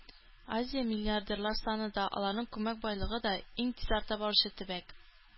Азия – миллиардерлар саны да, аларның күмәк байлыгы да иң тиз арта баручы төбәк.